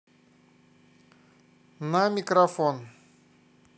на микрофон